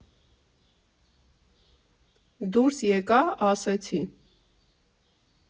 Դուրս եկա, ասեցի.